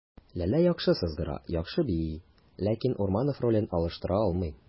Ләлә яхшы сызгыра, яхшы бии, ләкин Урманов ролен алыштыра алмый.